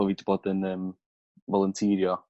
bo' fi 'di bod yn yym volunteerio